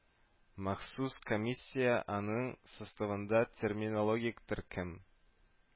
Махсус комиссия, аның составында терминологик төркем